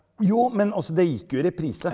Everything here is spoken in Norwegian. jo, men altså det gikk jo i reprise.